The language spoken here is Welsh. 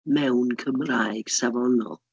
Mewn Cymraeg safonol.